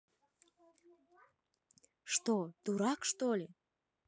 что дурак что ли